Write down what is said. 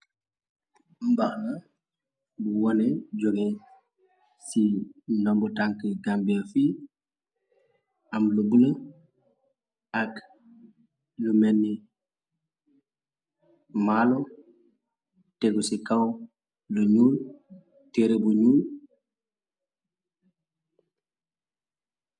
Mbahana bu wanè jongè ci ndomb tank Gambia fi. Am lu bulo ak lu menni maalo tégu ci kaw lu ñuul tereeh bu ñuul.